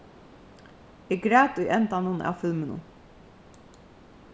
eg græt í endanum av filminum